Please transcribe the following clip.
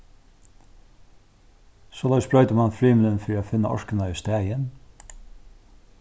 soleiðis broytir mann frymilin fyri at finna orkuna í staðin